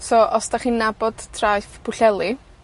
So, os 'dach chi'n nabod traeth Pwllheli,